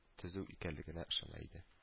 Төзү икәнлегенә ышана иде